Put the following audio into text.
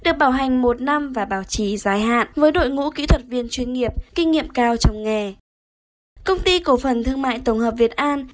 được bảo hành năm và bảo trì dài hạn với đội ngũ kĩ thuật viên chuyên nghiệp kinh nghiệm cao trong nghề công ty cổ phần thương mại tổng hợp việt an